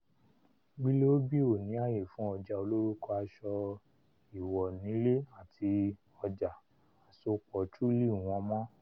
Willoughby òní àyè fún ọjà olórúkọ aso iwọ nílé àti ̀ọja àsopọ̀Truly wọn mọ́.